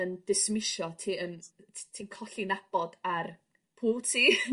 yn dismisio ti yn t- t- ti'n colli nabod ar pw' w't ti.